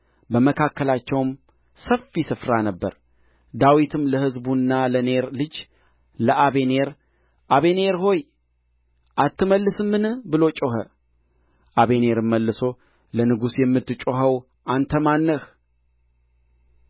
በመካከላቸውም ሰፊ ስፍራ ነበረ ዳዊትም ለሕዝቡና ለኔር ልጅ ለአበኔር አበኔር ሆይ አትመልስምን ብሎ ጮኸ አበኔርም መልሶ ለንጉሡ የምትጮኸው አንተ ማን ነህ አለ